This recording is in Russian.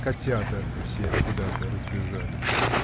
Котята все куда-то разбежались.